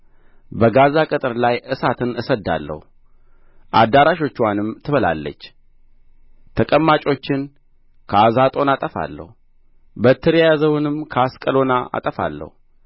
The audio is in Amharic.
በጋዛ ቅጥር ላይ እሳትን እሰድዳለሁ አዳራሾችዋንም ትበላለች ተቀማጮችን ከአዛጦን አጠፋለሁ በትር የያዘውንም ከአስቀሎና አጠፋለሁ